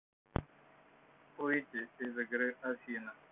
выйти из игры афина